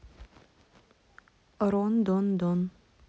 рон дон дон